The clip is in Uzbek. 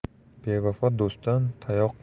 bevafo do'stdan tayoq